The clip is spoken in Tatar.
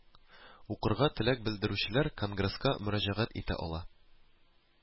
Укырга теләк белдерүчеләр конгресска мөрәҗәгать итә ала